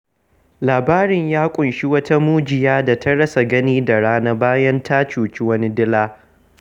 Labarin ya ƙunshi wata mujiya da ta rasa gani da rana bayan ta cuci wani dila.